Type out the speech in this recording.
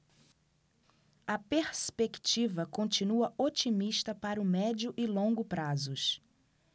a perspectiva continua otimista para o médio e longo prazos